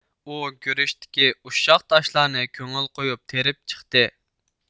ئۇ گۈرۈچتىكى ئۇششاق تاشلارنى كۆڭۈل قويۇپ تېرىپ چىقتى